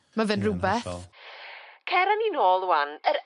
ma' fe'n rwbeth. Cer â ni nôl rŵan yr